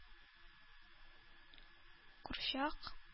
Курчак